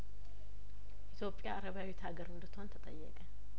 ኢትዮጵያአረባዊት ሀገር እንድት ሆን ተጠየቀ